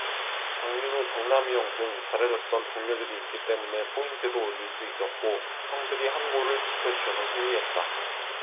장윤호 정남이형 등 잘해줬던 동료들이 있기 때문에 포인트도 올릴 수 있었고 형들이 한골을 지켜주셔서 승리했다